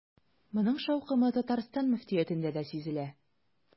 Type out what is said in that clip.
Моның шаукымы Татарстан мөфтиятендә дә сизелә.